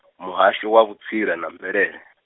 Muhasho wa Vhutsila na Mvelele.